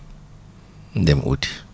dem uti